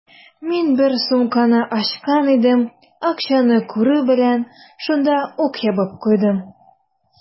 Мин бер сумканы ачкан идем, акчаны күрү белән, шунда ук ябып куйдым.